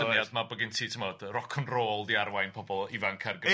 ...y syniad 'ma bod gin ti ti'bod yy rock and roll wedi arwain pobl ifanc ar gyfeiliorn...